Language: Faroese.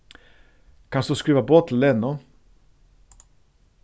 kanst tú skriva boð til lenu